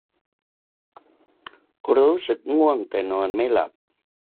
รู้สึกง่วงแต่นอนไม่หลับ